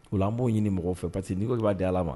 Wa an b'o ɲini mɔgɔ fɛ pa parce que n'ikɔ b'a di yalaala ma